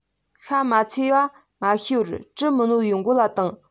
ཤ མ ཚོས པ མ ཤེས པར གྲི མི རྣོ བའི མགོ ལ གཏོང